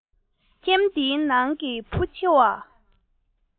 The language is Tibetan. ཁྱིམ འདིའི ནང གི བུ ཆེ བ